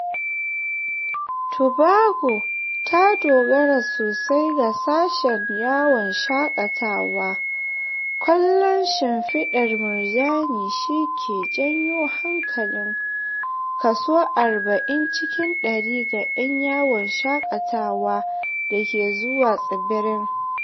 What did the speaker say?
Tobago ta dogara sosai ga sashen yawon shaƙatawa, kallon shimfiɗar murjaninta shi ke jan hankalin kaso 40 cikin ɗari na 'yan yawon shaƙatawa da ke zuwa tsibirin.